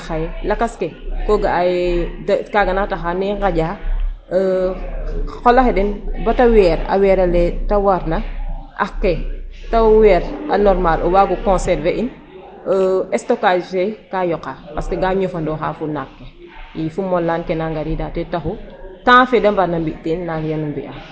Parce que a anda ye naak ke ga ngatiida donc gaa ñofandooxaa fo naak ke ta ref problème ka andoona yee xaye lakas ke koo ga'a yee kaaga naa taxaa ne nqaƴaa xa qol axe den bata weer. A weer ale ta warna ax ke ta weer a normale o waag o conserver in stockage fe ka yoqa .Parce que ga ñofandora fo naak ke i fo molaan ke na ngariida ten taxu temps fe da mbarna mbi' teen nangiran o mbi'aa.